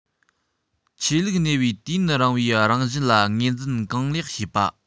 ཆོས ལུགས གནས པའི དུས ཡུན རིང བའི རང བཞིན ལ ངོས འཛིན གང ལེགས བྱེད པ